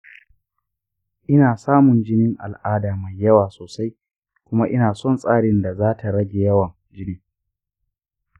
ina samun jinin al'ada mai yawa sosai kuma ina son tsarin da za ta rage yawan jinin.